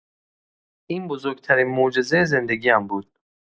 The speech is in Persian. این بزرگ‌ترین معجزه زندگی‌ام بود.